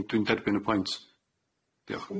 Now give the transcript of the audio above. Dwi'n dwi'n derbyn y pwynt.